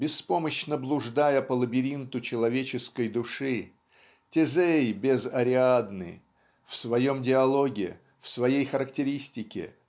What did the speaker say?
беспомощно блуждая по лабиринту человеческой души Тезей без Ариадны в своем диалоге в своей характеристике